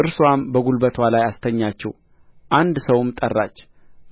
እርስዋም በጕልበትዋ ላይ አስተኛችው አንድ ሰውም ጠራች